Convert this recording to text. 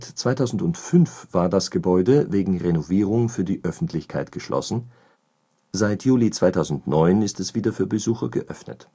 2005 war das Gebäude wegen Renovierung für die Öffentlichkeit geschlossen, seit Juli 2009 ist er wieder für Besucher geöffnet